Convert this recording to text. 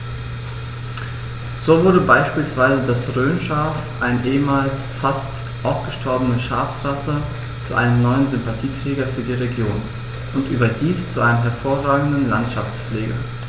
So wurde beispielsweise das Rhönschaf, eine ehemals fast ausgestorbene Schafrasse, zu einem neuen Sympathieträger für die Region – und überdies zu einem hervorragenden Landschaftspfleger.